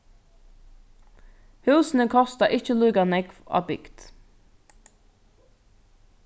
húsini kosta ikki líka nógv á bygd